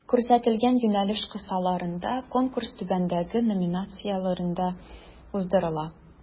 Күрсәтелгән юнәлеш кысаларында Конкурс түбәндәге номинацияләрдә уздырыла: